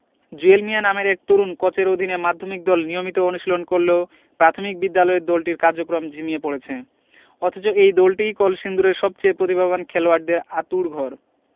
জুয়েল মিয়া নামের এক তরুণ কচের অধীনে মাধ্যমিক দল নিয়মিত অনুশীলন করলেও প্রাথমিক বিদ্যালয়ের দলটির কার্যক্রম ঝিমিয়ে পড়েছে অথচ এই দলটিই কলসিন্দুরের সবচেয়ে প্রতিভাবান খেলোয়াড়দের আঁতুড়ঘর